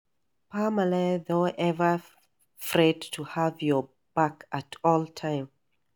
Famalay doh ever ‘fraid to have your back at all time...